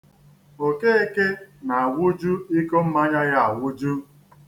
Okeke na-awụju iko mmanya ya awụju.